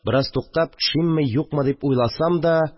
Бераз туктап, төшимме, юкмы дип уйласам да